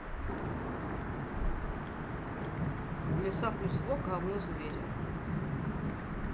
лиса плюс walk равно звери